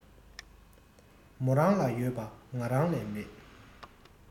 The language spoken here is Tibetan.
མོ རང ལ ཡོད པ ང རང ལས མེད